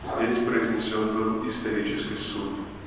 Здесь произнесен был исторический суд